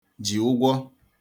ji ụgwọ